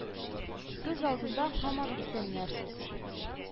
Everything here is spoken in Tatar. Күз алдында һаман исәннәр сез